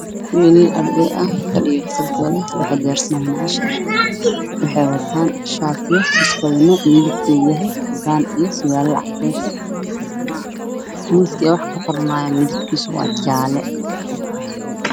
Waa laba wiil oo ku fadhida kursi oo wax qorayso waxay wataan shaati caddaan ay surwaal cadaan